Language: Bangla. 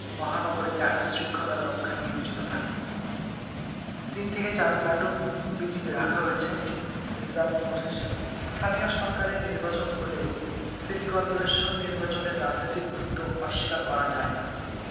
মহানগরীতে আইন শৃঙ্খলা রক্ষায় নিয়োজিত থাকবে তিন থেকে চার প্লাটুন বিজিবি রাখা হয়েছে রিজার্ভ ফোর্স হিসেবে স্থানীয় সরকারের নির্বাচন হলেও সিটি করপোরেশন নির্বাচনের রাজনৈতিক গুরুত্ব অস্বীকার করা যায় না